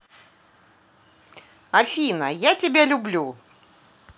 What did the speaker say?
афина я тебя люблю